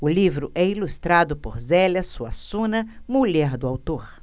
o livro é ilustrado por zélia suassuna mulher do autor